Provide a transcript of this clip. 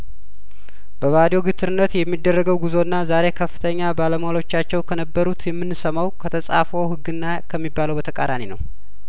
በባዶ ግትርነት የሚደረገው ጉዞና ዛሬ ከፍተኛ ባለሟሎቾቻቸው ከነበሩት የምንሰማው ከተጻፈው ህግና ከሚባለው በተቃራኒ ነው